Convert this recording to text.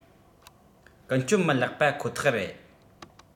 ཀུན སྤྱོད མི ལེགས པ ཁོ ཐག རེད